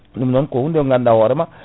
ɗum noon ko hunde go ganduɗa hoorema